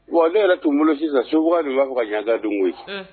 Wa ne yɛrɛ tun bolo sisan soba de b'a ka janka dun koyi